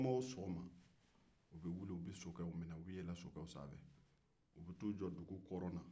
sɔgɔma o sɔgɔma uu bɛ yɛlɛn sokɛw sanfɛ k'a tu jɔ dugu kɔrɔn na